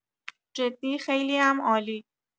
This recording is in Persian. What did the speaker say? جدی خیلی‌ام عالی